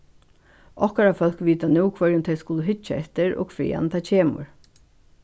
okkara fólk vita nú hvørjum tey skulu hyggja eftir og hvaðani tað kemur